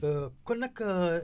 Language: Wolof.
kon nag